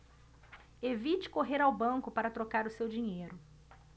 evite correr ao banco para trocar o seu dinheiro